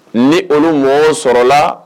Ni olu mɔgɔ o sɔrɔla